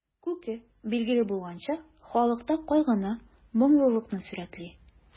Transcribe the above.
Күке, билгеле булганча, халыкта кайгыны, моңлылыкны сурәтли.